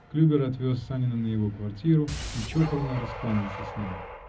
Клюбер отвез Санина на его квартиру и чопорно раскланялся с ним.